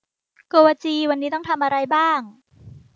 โกวาจีวันนี้ต้องทำอะไรบ้าง